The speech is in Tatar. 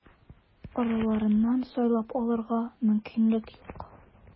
Араларыннан сайлап алырга мөмкинлек юк.